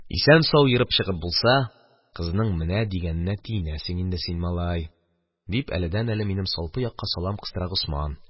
"исән-сау ерып чыгып булса, кызның менә дигәненә тиенәсең инде син, малай», – дип, әледән-әле минем салпы якка салам кыстыра госман.